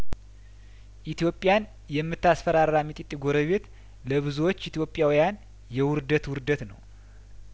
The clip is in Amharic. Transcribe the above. ኢትዮጵያን የምታስ ፈራራ ሚጢጢ ጐረቤት ለብዙዎች ኢትዮጵያውያን የውርደት ውርደት ነው